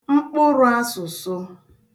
mkpụrụ̄asụ̀sụ